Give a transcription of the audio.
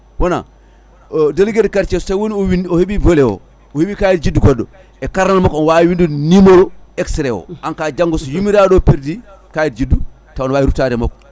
wona délégué de qaurtier so tawi woni o win o heeɓi volet o o heeɓi kayit juddu goɗɗo e carnet al makko omo wawi wondude numéro extrait o en cas janggo so yummiraɗo o perdre i kayit juddu taw ne wawi ruttade e makko